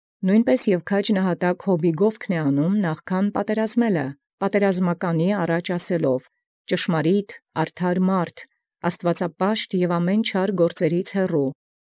Նոյնպէս և զքաջի նահատակին Յոբայ յառաջ քան զպատերազմել առաջի պատերազմականին՝ յաւրինէ զգովութիւն ասելով. «Այր ճշմարիտ, արդար և աստուածապաշտ, և որոշեալ յամենայն գործոց չարացե։